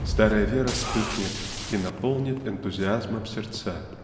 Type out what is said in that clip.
старая вера вспыхнет и наполнит энтузиазмом сердца.